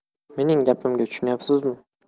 mening gapimga tushunayapsizmi